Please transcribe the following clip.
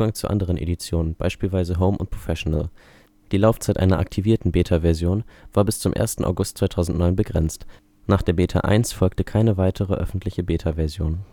zu anderen Editionen, beispielsweise Home und Professional. Die Laufzeit einer (aktivierten) Beta-Version war bis zum 1. August 2009 begrenzt. Nach der Beta 1 folgte keine weitere öffentliche Beta-Version